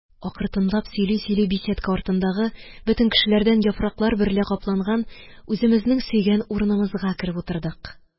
Акыртынлап, сөйли-сөйли, беседка артындагы бөтен кешеләрдән яфраклар берлә капланган үземезнең сөйгән урынымызга кереп утырдык.